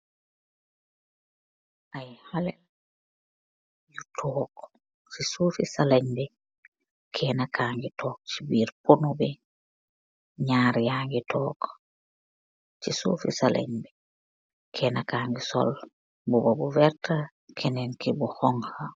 haleh yuu tokk ce sufi salenbi, kekna kageih tokk ce bir ponobi ak kekneen ki mugeih sol mubabu houg ka.